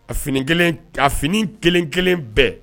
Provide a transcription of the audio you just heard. A fini a fini kelen- kelen bɛɛ